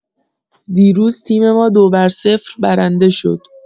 دیروز تیم ما دو بر صفر برنده شد.